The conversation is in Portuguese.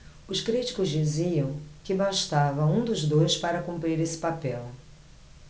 os críticos diziam que bastava um dos dois para cumprir esse papel